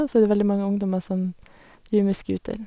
Og så er det veldig mange ungdommer som driver med skuter.